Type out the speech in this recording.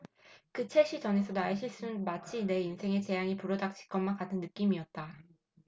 그 첼시 전에서 나의 실수는 마치 내 인생에 재앙이 불어닥친 것만 같은 느낌이었다